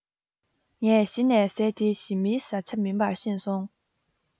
ངས གཞི ནས ཟས འདི ཞི མིའི བཟའ བྱ མིན པ ཤེས སོང